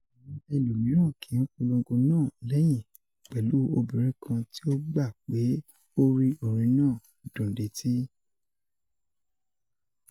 Awọn ẹlomiiran kin ipolongo naa lẹhin, pẹlu obirin kan ti o gba pe o ri orin naa "dun leti."